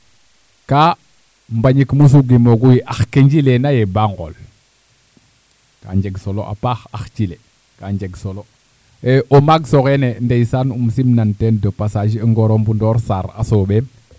kaa Mbagnick mosu gimoogu yee ax ke njileena yee baa ngool kaa njeg solo a paax ax cile kaa njeg solo o maages oxeene ndeysaan um simnan teen de passage ngora Mbounokh Sarr a sombeme e